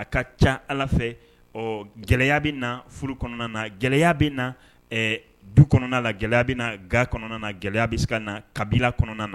A ka ca ala fɛ gɛlɛya bɛ na furu kɔnɔna na gɛlɛya bɛ na du kɔnɔna na gɛlɛya bɛ na ga kɔnɔna na gɛlɛya bɛ se na kabila kɔnɔna na